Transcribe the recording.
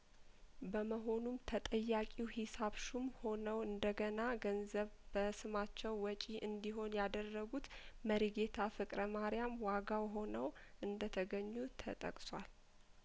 በመሆኑም ተጠያቂው ሂሳብ ሹም ሆነው እንደገና ገንዘብ በስማቸው ወጪ እንዲሆን ያደረጉት መሪጌታ ፍቅረ ማርያም ዋጋው ሆነው እንደተገኙ ተጠቅሷል